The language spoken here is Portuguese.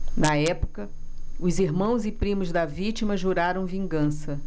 na época os irmãos e primos da vítima juraram vingança